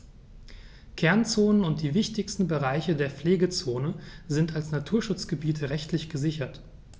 Kernzonen und die wichtigsten Bereiche der Pflegezone sind als Naturschutzgebiete rechtlich gesichert.